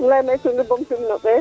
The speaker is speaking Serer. layme cungi bom simin o ɓees